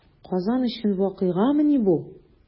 Казан өчен вакыйгамыни бу?